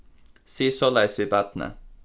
sig soleiðis við barnið